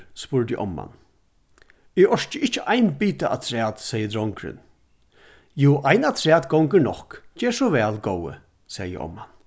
spurdi omman eg orki ikki ein bita afturat segði drongurin jú ein afturat gongur nokk ger so væl góði segði omman